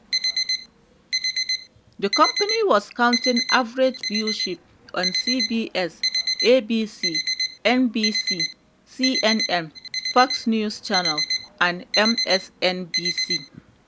The company was counting average viewership on CBS, ABC, NBC, CNN, Fox News Channel and MSNBC.